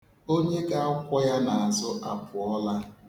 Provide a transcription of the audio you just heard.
Onye ga-akwọ ya n'azụ apụọla.